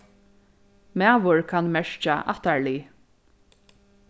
maður kann merkja ættarlið